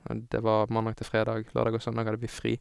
Men det var mandag til fredag, lørdag og søndag hadde vi fri.